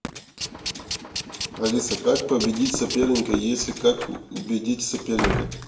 алиса как победить соперника если как убедить соперника